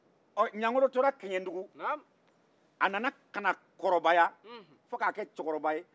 ɔ ɲangolo tɔra kiɲɛndugu a nana kana kɔrɔbaya fɔ ka kɛ cɛkɔrɔba ye